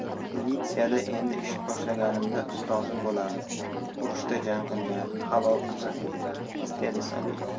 militsiyada endi ish boshlaganimda ustozim bo'lardi urushda jang qilgan halol inson edi dedi soliev